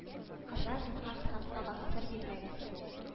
Кызлар зинһар сынатмагыз сер бирмәгез